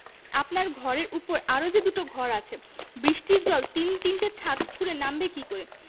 আপনার ঘরের উপর আরও যে দুটো ঘর আছে বৃষ্টির জল তিন তিনটে ছাত ফুঁড়ে নামবে কি করে